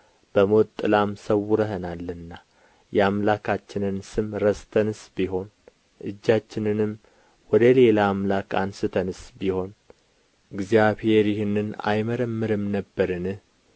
በሞት ጥላም ሰውረኸናልና የአምላካችንን ስም ረስተንስ ቢሆን እጃችንንም ወደ ሌላ አምላክ አንሥተንስ ቢሆን እግዚአብሔር ይህንን አይመረምርም ነበርን